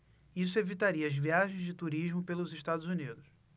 isso evitaria as viagens de turismo pelos estados unidos